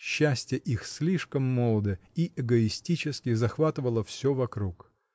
Счастье их слишком молодо и эгоистически захватывало всё вокруг.